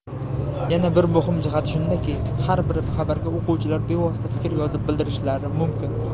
yana bir muhim jihati shundaki har bir xabarga o'quvchilar bevosita fikr yozib qoldirishlari mumkin